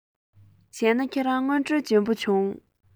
བྱས ན ཁྱེད རང དངོས འབྲེལ འཇོན པོ བྱུང